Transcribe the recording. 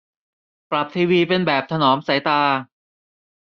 ปรับทีวีเป็นแบบถนอมสายตา